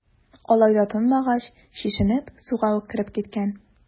Алай да тынмагач, чишенеп, суга ук кереп киткән.